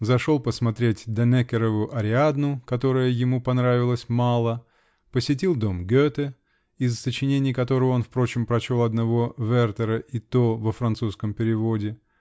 Зашел посмотреть Даннекерову Ариадну, которая ему понравилась мало, посетил дом Гете, из сочинений которого он, впрочем, прочел одного "Вертера" -- и то во французском переводе